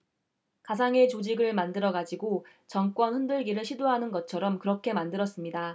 가상의 조직을 만들어 가지고 정권 흔들기를 시도하는 것처럼 그렇게 만들었습니다